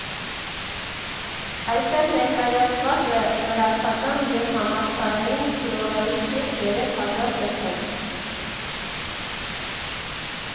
Այստեղ ներկայացված է վրացական և համաշխարհային ֆլորայի շուրջ երեք հազար տեսակ։